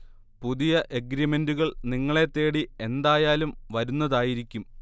പുതിയ എഗ്രീമ്ന്റുകൾ നിങ്ങളെ തേടി എന്തായാലും വരുന്നതായിരിക്കും